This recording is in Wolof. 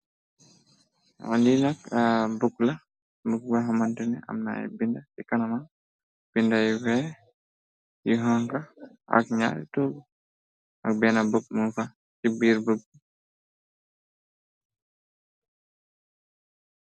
Wa li nak arr book la book bi nga xamantenex amna ay binda ci kanamam binda yu weex yu xonxa ak ñya tu ak bena book mung fa ci biir book.